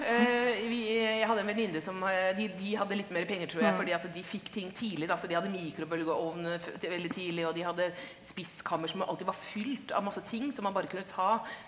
vi jeg hadde en venninne som de de hadde litt mere penger tror jeg fordi at de fikk ting tidlig da, så de hadde mikrobølgeovn veldig tidlig, og de hadde spiskammer som alltid var fylt av masse ting som man bare kunne ta.